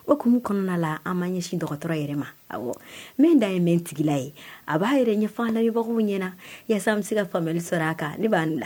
O kun kɔnɔna la an ma ɲɛsin dɔgɔtɔrɔ yɛrɛ ma a min da ye bɛn tigila ye a b'a yɛrɛ ɲɛfanlabagaw ɲɛnasa bɛ se ka faamuyali sɔrɔ aa kan ne b'a la